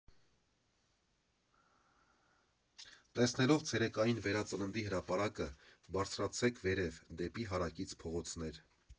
Տեսնելով ցերեկային Վերածննդի հրապարակը՝ բարձրացեք վերև՝ դեպի հարակից փողոցներ։